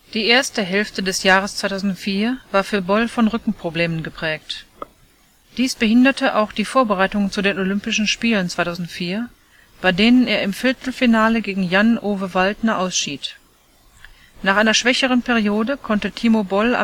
Die erste Hälfte des Jahres 2004 war für Boll von Rückenproblemen geprägt. Dies behinderte auch die Vorbereitungen zu den Olympischen Spielen 2004, bei denen er im Viertelfinale gegen Jan-Ove Waldner ausschied. Nach einer schwächeren Periode konnte Timo Boll